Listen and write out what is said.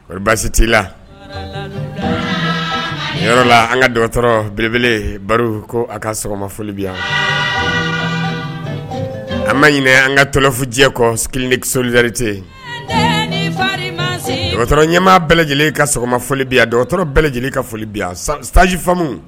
Baasi t'i la yɔrɔ la an ka dɔgɔtɔrɔ belebele baro ko a ka sɔgɔma foliyan an ma ɲininɛ an ka tɔlɛfjɛ kɔ kelen ni solidirirete ɲɛmaa bɛɛ lajɛlen ka sɔgɔma folioliyan dɔgɔtɔrɔ bɛɛ lajɛlen ka foliyan sajifamu